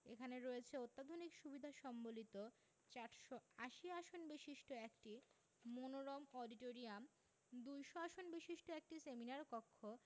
এখানে রয়েছে অত্যাধুনিক সুবিধা সম্বলিত ৪৮০ আসন বিশিষ্ট একটি মনোরম অডিটোরিয়াম ২০০ আসন বিশিষ্ট একটি সেমিনার কক্ষ